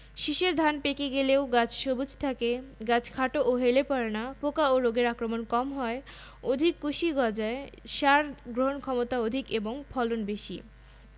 শীষের ধান পেকে গেলেও গাছ সবুজ থাকে গাছ খাটো ও হেলে পড়ে না পোকা ও রোগের আক্রমণ কম হয় অধিক কুশি গজায় সার গ্রহণক্ষমতা অধিক এবং ফলন বেশি